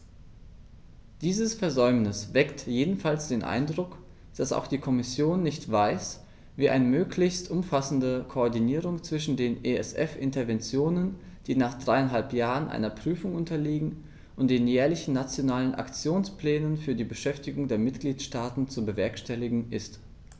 Dieses Versäumnis weckt jedenfalls den Eindruck, dass auch die Kommission nicht weiß, wie eine möglichst umfassende Koordinierung zwischen den ESF-Interventionen, die nach dreieinhalb Jahren einer Prüfung unterliegen, und den jährlichen Nationalen Aktionsplänen für die Beschäftigung der Mitgliedstaaten zu bewerkstelligen ist.